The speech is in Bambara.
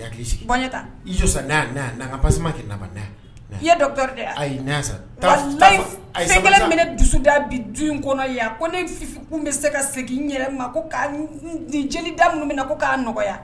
Sigi n'a kɛ dɔ a minɛ dusu da bi du in kɔnɔ a ko kun bɛ se ka segin yɛrɛ ma' jeli da minnu minɛ na ko k'a nɔgɔya